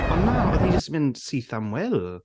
Ond na oedd hi jyst mynd syth am Will.